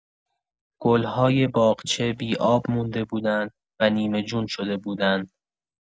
گل‌های باغچه بی‌آب مونده بودن و نیمه‌جون شده بودن.